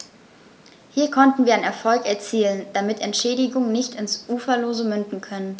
Hier konnten wir einen Erfolg erzielen, damit Entschädigungen nicht ins Uferlose münden können.